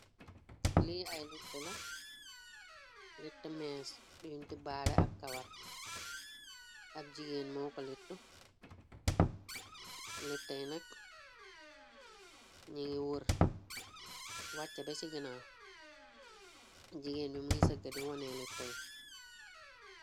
Lii ay litt la littu mees yunti baale ak kawar ab jigéen mo ko litt littay nak ni ngi wuur wàcc be ci ginaaw jigéen bi mung sëgga di wonee littayi.